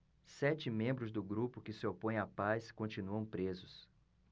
sete membros do grupo que se opõe à paz continuam presos